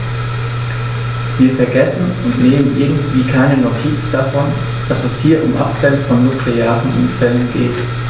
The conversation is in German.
Wir vergessen, und nehmen irgendwie keine Notiz davon, dass es hier um Abfälle von nuklearen Unfällen geht.